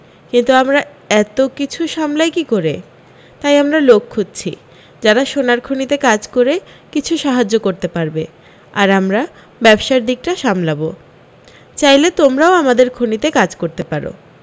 কিন্তু আমরা এতো কিছু সামলাই কী করে তাই আমরা লোক খুঁজছি যারা সোনার খনিতে কাজ করে কিছু সাহায্য করতে পারবে আর আমরা ব্যবসার দিকটা সামলাব চাইলে তোমরাও আমাদের খনিতে কাজ করতে পার